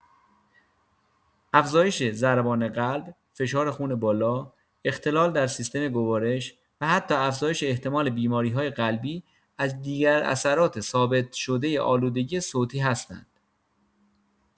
افزایش ضربان قلب، فشار خون بالا، اختلال در سیستم گوارش و حتی افزایش احتمال بیماری‌های قلبی از دیگر اثرات ثابت‌شده آلودگی صوتی هستند.